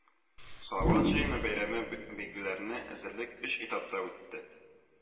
Салават җыены бәйрәме бәйгеләренә әзерлек өч этапта үтте